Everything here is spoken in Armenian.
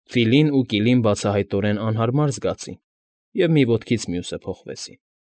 Ֆիլին ու Կիլին բացահայտորեն անհարմար զգացին և մի ոտքից մյուսը փոխվեցին։